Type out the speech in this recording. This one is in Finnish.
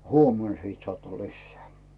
huomenna sitten saatte lisää